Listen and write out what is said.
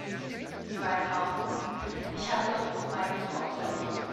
2000: Ich hab doch nur meine Frau zerlegt